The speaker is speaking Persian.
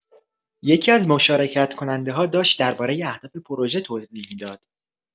یکی‌از مشارکت‌کننده‌ها داشت درباره اهداف پروژه توضیح می‌داد.